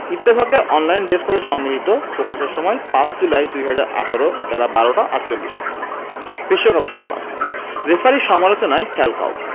ইত্তেফাকের online desk হতে সংগৃহীত প্রকাশের সময় ৫ জুলাই ২০১৮ বেলা১২টা ৪৮ মিনিট বিশ্বকাপ সংবাদ রেফারির সমালোচনায় ফ্যালকাও